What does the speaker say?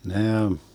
ne